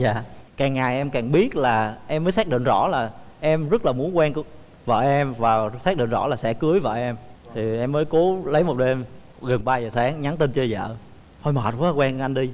dạ càng ngày em càng biết là em mới xác định rõ là em rất là muốn quen vợ em và xác định rõ là sẽ cưới vợ em thì em mới cố lấy một đêm gần ba giờ sáng nhắn tin cho vợ thôi mệt quá quen anh đi